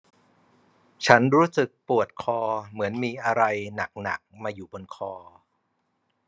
ฉันรู้สึกปวดคอเหมือนมีอะไรหนักหนักมาอยู่บนคอ